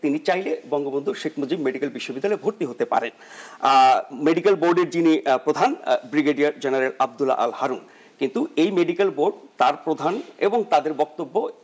উনি চাইলে বঙ্গবন্ধু শেখ মুজিব মেডিকেল বিশ্ববিদ্যালয়ে ভর্তি হতে পারেন মেডিকেল বোর্ডে যিনি প্রধান বিগ্রেডিয়ার জেনারেল আবদুল আল হারুন কিন্তু এ মেডিকেল বোর্ড তার প্রধান এবং তাদের বক্তব্য